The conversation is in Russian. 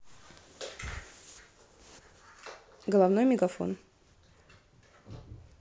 головной мегафон